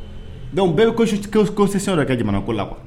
Dɔnku u bɛɛ bɛkisɛsɛ yɛrɛ kɛ jamanako la wa